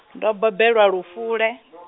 ndo bebelwa Lufule.